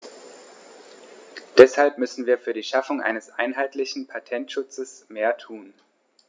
Deshalb müssen wir für die Schaffung eines einheitlichen Patentschutzes mehr tun.